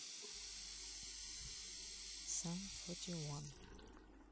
сам фоти уан